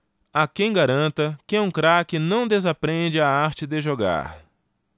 há quem garanta que um craque não desaprende a arte de jogar